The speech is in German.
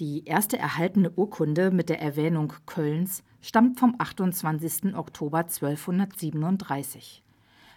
Die erste erhaltene Urkunde mit der Erwähnung Cöllns stammt vom 28. Oktober 1237.